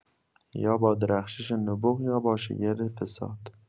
یا با درخشش نبوغ یا با شگرد فساد.